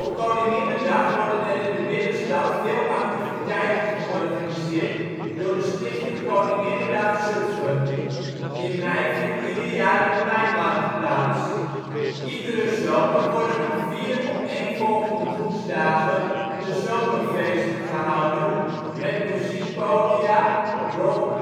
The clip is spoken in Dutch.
Koninginnedag worden er in de binnenstad veel activiteiten georganiseerd door de Stichting Koninginnedag Zutphen. In mei vindt ieder jaar de Meimarkt plaats. Iedere zomer worden op vier opeenvolgende woensdagen de Zomerfeesten gehouden, met muziekpodia (rock